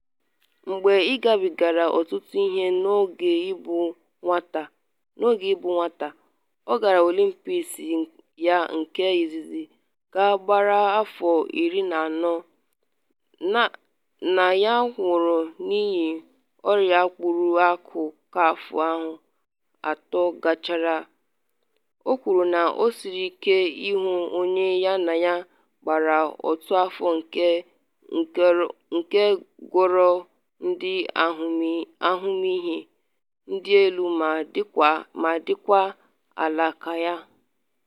“Mgbe ịgabigara ọtụtụ ihe n’oge ịbụ nwata” - ọ gara Olympics ya nke izizi ka ọgbara afọ 14, nna ya nwụrụ n’ihi ọrịa mkpụrụ akụ ka afọ atọ gachara - o kwuru na o siri ike ịhụ onye ya na ya gbara otu afọ nke nwegoro ụdị ahụmihe dị elu ma dịkwa ala ka ya.